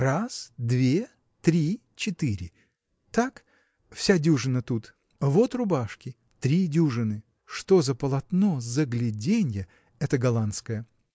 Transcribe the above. Раз, две, три, четыре – так, вся дюжина тут. Вот рубашки – три дюжины. Что за полотно – загляденье! это голландское